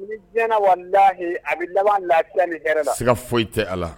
Ni diɲɛɲɛna wa lahi a bɛ laban la ni yɛrɛ la a se ka foyi tɛ ala